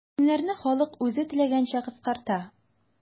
Исемнәрне халык үзе теләгәнчә кыскарта.